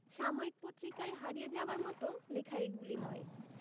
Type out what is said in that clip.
সাময়িক পত্রিকায় হারিয়ে যাবার মত লেখা এগুলি নয়